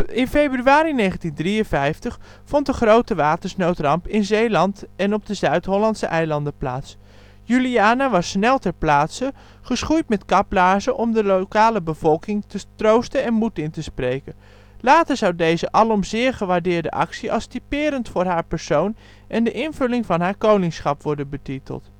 In februari 1953 vond de grote watersnoodramp in Zeeland en op de Zuid-Hollandse eilanden plaats. Juliana was snel ter plaatse, geschoeid met kaplaarzen, om de lokale bevolking te troosten en moed in te spreken. Later zou deze alom zeer gewaardeerde actie als typerend voor haar persoon en de invulling van haar koningschap worden betiteld